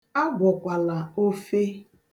A gwọkwala ofe.